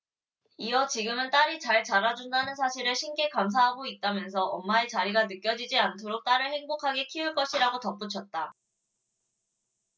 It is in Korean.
이어 지금은 딸이 잘 자라준다는 사실에 신께 감사하고 있다 면서 엄마의 자리가 느껴지지 않도록 딸을 행복하게 키울 것 이라고 덧붙였다